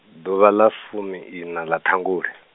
ḓuvha ḽa fumiiṋa ḽa ṱhangule.